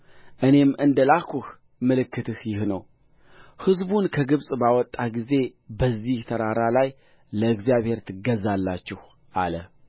እኔም እንደ ላክሁህ ምልክትህ ይህ ነው ሕዝቡን ከግብፅ ባወጣህ ጊዜ በዚህ ተራራ ላይ ለእግዚአብሔር ትገዛላችሁ አለ